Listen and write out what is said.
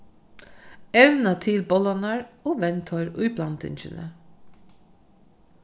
evna til bollarnar og vend teir í blandingini